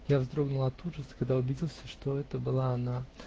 Я вздрогнул от ужаса, когда убедился, что это была она